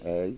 eeyi